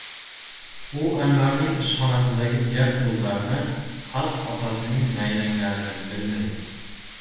u anvarning ishxonasidagi gap so'zlarni xalq otasining nayranglarini bilmaydi